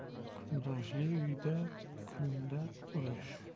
kundoshli uyda kunda urush